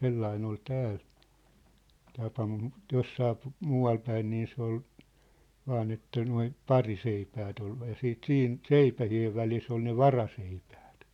sellainen oli täällä tapa mutta jossakin muualla päin niin se oli vain että nuo pariseipäät oli ja sitten siinä seipäiden välissä oli ne varaseipäät